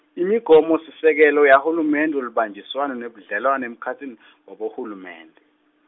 imigomosisekelo yahulumende welubanjiswano nebudlelwano emkhatsini -n , wabohulumende.